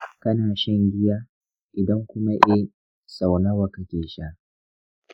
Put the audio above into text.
kana shan giya, idan kuma eh, sau nawa kake sha?